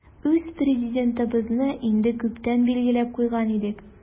Үз Президентыбызны инде күптән билгеләп куйган идек.